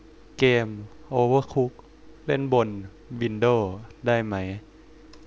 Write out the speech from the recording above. เกมโอเวอร์คุกเล่นบนวินโด้ได้ไหม